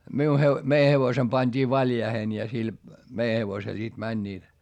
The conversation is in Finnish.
minun - meidän hevosemme pantiin valjaisiin ja sillä meidän hevosella sitten menivät